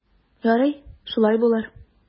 Ярый, шулай булыр.